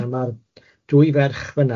...a ma'r dwy ferch fan'na